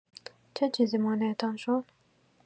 چه چیزی مانعتان شد؟